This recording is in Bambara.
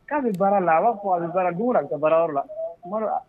K'a bɛ baara la a b'a fɔ k'a bɛ baara don o don a bɛ ta baarayɔrɔ la